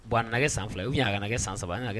Bɔn a san fila u kana kɛ san saba kan kɛ